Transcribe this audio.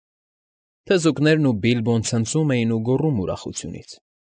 Թզուկներն ու Բիլբոն ցնծում էին ու գոռում ուրախությունից։